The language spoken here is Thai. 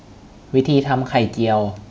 วิธีีทำไข่เจียว